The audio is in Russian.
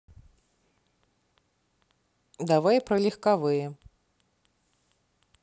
давай про легковые